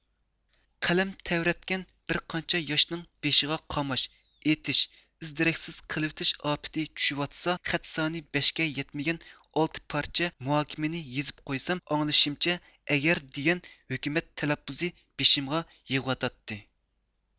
قەلەم تەۋرەتكەن بىرقانچە ياشنىڭ بېشىغا قاماش ئېتىش ئىز دېرەكسىز قىلىۋېتىش ئاپىتى چۈشۈۋاتسا خەت سانى بەشكە يەتمىگەن ئالتە پارچە مۇھاكىمىنى يېزىپ قويسام ئاڭلىشىمچە ئەگەردېگەن ھۆكۈمەت تەلەپپۇزى بېشىمغا يېغىۋاتاتتى